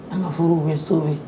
An ka furuw bɛ sauver ye